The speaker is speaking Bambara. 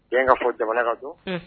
Bɛn ka fɔ jamana ka don